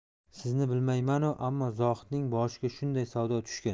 sizni bilmayman u ammo zohidning boshiga shunday savdo tushgan